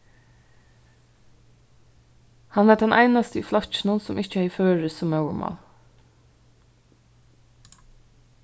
hann var tann einasti í flokkinum sum ikki hevði føroyskt sum móðurmál